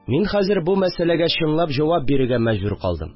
Мин хәзер бу мәсьәләгә чынлап җавап бирергә мәҗбүр калдым